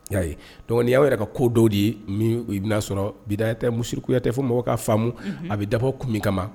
Ya ye donc nin yaw yɛrɛ ka ko dɔw de ye, i bi na sɔrɔ bidaya tɛ musirikuya tɛ. Fo mɔgɔw ka faamu a bɛ dabɔ kun min kama.